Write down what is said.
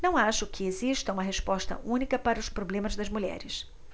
não acho que exista uma resposta única para os problemas das mulheres